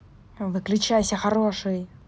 выключайся хороший